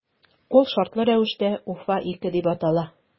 Ул шартлы рәвештә “Уфа- 2” дип атала.